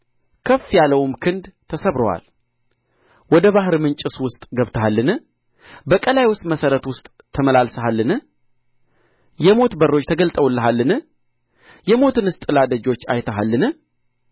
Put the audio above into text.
ከፍ ያለውም ክንድ ተሰብሮአል ወደ ባሕር ምንጭስ ውስጥ ገብተሃልን በቀላዩስ መሠረት ውስጥ ተመላልሰሃልን የሞት በሮች ተገልጠውልሃልን የሞትንስ ጥላ ደጆች አይተሃልን